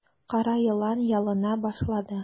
Кара елан ялына башлады.